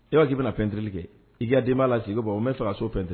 I b'a' bɛna fɛntirili kɛ i diyaden b'a la sigi bɔ o bɛ fɛ ka so fɛn tɛ